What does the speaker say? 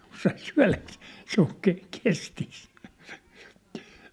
kun sai syödäkseen se oli - kestissä